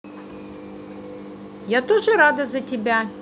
я тоже рада за тебя